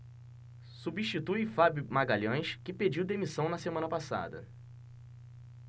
substitui fábio magalhães que pediu demissão na semana passada